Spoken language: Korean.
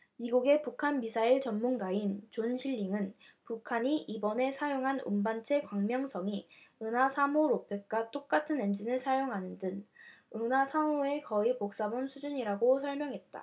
미국의 북한 미사일 전문가인 존 실링은 북한이 이번에 사용한 운반체 광명성이 은하 삼 호 로켓과 똑같은 엔진을 사용하는 등 은하 삼 호의 거의 복사본 수준이라고 설명했다